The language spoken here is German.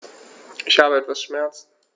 Ich habe etwas Schmerzen.